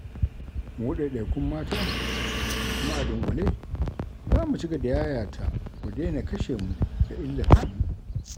Mu, ɗaiɗaikun mata, da kuma a dunƙule, za mu cigaba da yayata "ku daina kashe mu" da "illata mu".